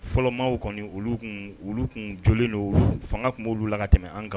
Fɔlɔ maaw kɔni olu tun, olu tun jɔlen don fanga tun b'u la ka tɛmɛ an kan